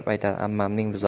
yedirib aytadi ammamning buzog'i